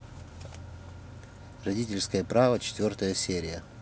родительское право четвертая серия